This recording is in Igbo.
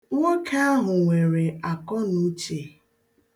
Nwoke ahụ nwere akọnuuche.